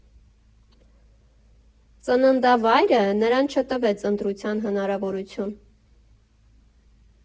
Ծննդավայրը նրան չտվեց ընտրության հնարավորություն։